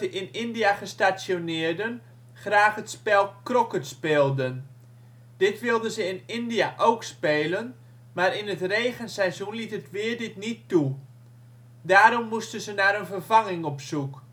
in India gestationeerden graag het spel croquet speelden. Dit wilden ze in India ook spelen, maar in het regenseizoen liet het weer dit niet toe. Daarom moesten ze naar een vervanging op zoek